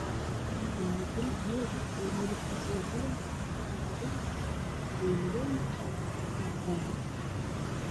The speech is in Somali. Meeshan waa guri albaabadiisa way furan yihiin waana madow darbiyada waa caddaan kor u caddaan